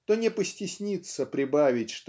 то не постеснится прибавить